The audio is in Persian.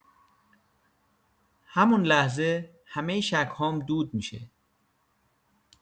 همون لحظه، همۀ شک‌هام دود می‌شه.